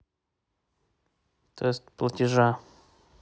тест платежа